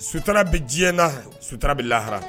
Sutura be diɲɛna sutara be lahara